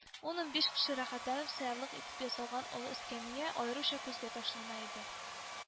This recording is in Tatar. Ун-унбиш кеше рәхәтләнеп сыярлык итеп ясалган олы эскәмия аеруча күзгә ташлана иде